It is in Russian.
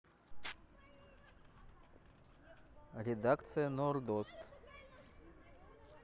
редакция нордост